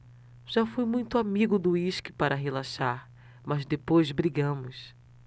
já fui muito amigo do uísque para relaxar mas depois brigamos